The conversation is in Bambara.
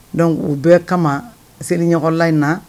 Donc u bɛɛ kama n seliɲɔgɔnla in na